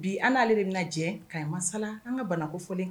Bi an n'ale de bɛna jɛ masala an ka bana kofɔlen kan